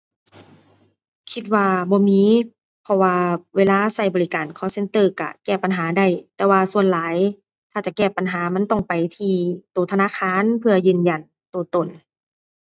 คิดว่าบ่มี เพราะว่าเวลาใช้บริการ call center ใช้แก้ปัญหาได้ แต่ว่าส่วนหลายถ้าจะแก้ปัญหามันต้องไปที่ใช้ธนาคาร เพื่อยืนยันใช้ตน